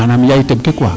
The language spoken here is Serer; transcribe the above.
manam yaay teɓ ke quoi